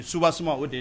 sous basement o de ye